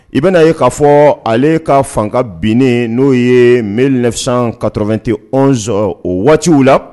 I bɛna na ye k'a fɔ ale ka fanga binnen n'o ye mɛn lɛ ka t2tesɔn o waati la